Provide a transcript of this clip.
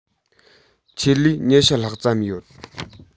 ཆེད ལས ཉི ཤུ ལྷག ཙམ ཡོད